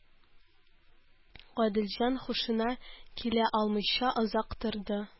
Гаделҗан һушына килә алмыйча озак торды